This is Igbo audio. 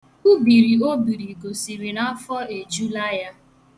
Ubiri o biri gosiri na afọ ejula ya.